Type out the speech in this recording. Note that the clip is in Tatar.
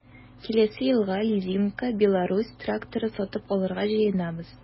Киләсе елга лизингка “Беларусь” тракторы сатып алырга җыенабыз.